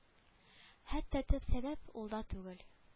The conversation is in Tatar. Хәтта төп сәбәп ул да түгел